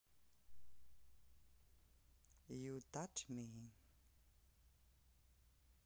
you touch me